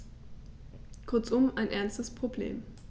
Kurzum, ein ernstes Problem.